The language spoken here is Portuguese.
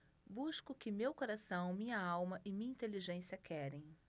busco o que meu coração minha alma e minha inteligência querem